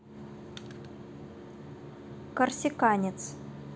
корсиканец